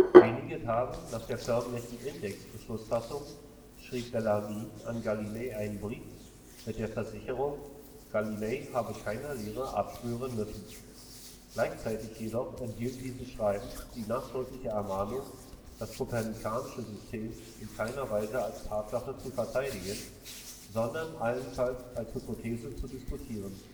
Wenige Tage nach der förmlichen Index-Beschlussfassung schrieb Bellarmin an Galilei einen Brief mit der Versicherung, Galilei habe keiner Lehre abschwören müssen; gleichzeitig jedoch enthielt dieses Schreiben die nachdrückliche Ermahnung, das kopernikanische System in keiner Weise als Tatsache zu verteidigen, sondern allenfalls als Hypothese zu diskutieren